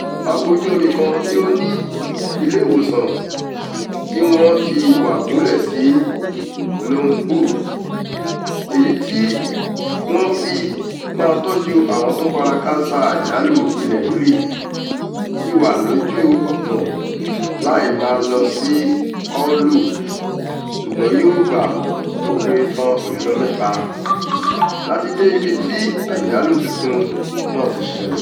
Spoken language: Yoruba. Ọkọ̀ ojú omi kan ti ó ní ilé ìwòsàn ti wọ́n ti wà gúnlẹ̀ si Lombok èyí tí wọn fi máa tọ́jú àwọn tó fara káásá àjálù ilẹ̀ rírí tí wà lójú ọ̀nà lái máa lọ sí Palu, ṣùgbọ́n yóò gbà ó kéré tán ọjọ́ mẹ́ta láti dé ibi tí àjálù tuntun náà ti ṣẹlẹ̀.